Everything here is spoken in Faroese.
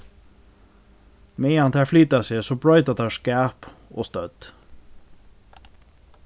meðan tær flyta seg so broyta tær skap og stødd